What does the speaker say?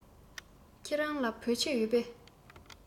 ཁྱེད རང ལ བོད ཆས ཡོད པས